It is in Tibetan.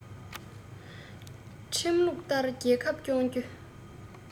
ཁྲིམས ལུགས ལྟར རྒྱལ ཁབ སྐྱོང རྒྱུ